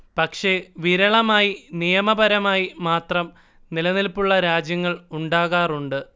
പക്ഷേ വിരളമായി നിയമപരമായി മാത്രം നിലനിൽപ്പുള്ള രാജ്യങ്ങൾ ഉണ്ടാകാറുണ്ട്